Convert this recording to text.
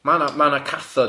Ma' na ma' na cathod.